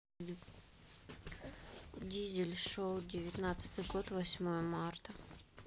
дизель шоу девятнадцатый год восьмое марта